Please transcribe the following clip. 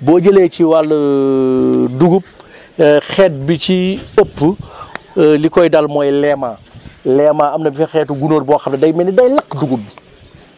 boo jëlee ci wàll dugub xeeb bi ci ëpp li koy dal mooy léma léma am na sax xeetu gunóor boo xam ne day mel ni day lakk dugub bi